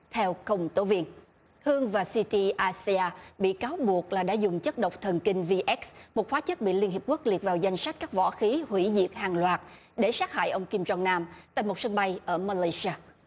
theo công tố viên hương và si ti a sê a bị cáo buộc là đã dùng chất độc thần kinh vi ếch một hóa chất bị liên hiệp quốc liệt vào danh sách các võ khí hủy diệt hàng loạt để sát hại ông kim giâng nam tại một sân bay ở ma lây si a